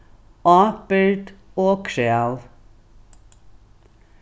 ábyrgd og krav